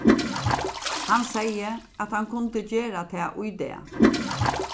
hann segði at hann kundi gera tað í dag